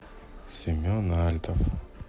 семен альтов